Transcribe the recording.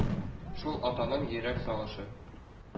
Шул атаның йөрәк сагышы.